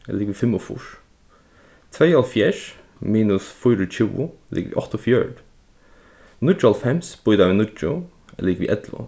er ligvið fimmogfýrs tveyoghálvfjerðs minus fýraogtjúgu er ligvið áttaogfjøruti níggjuoghálvfems býta við níggju er ligvið ellivu